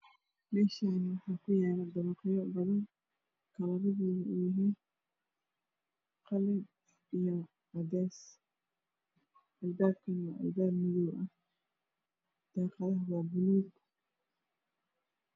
Meeshaani waxaa ku yaalo dabaqyo badan kalaradoodu yahay qalin iyo cadees albabka waa madow daaqadaha Waa buluug